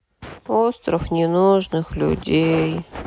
остров ненужных людей